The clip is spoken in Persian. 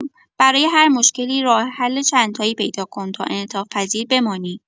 برای هر مشکلی راه‌حل چندتایی پیدا کن تا انعطاف‌پذیر بمانی.